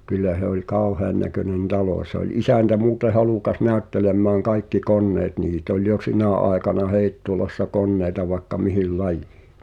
kyllä se oli kauheannäköinen talo se oli isäntä muuten halukas näyttelemään kaikki koneet niitä oli jo sinä aikana Heittolassa koneita vaikka mihin lajiin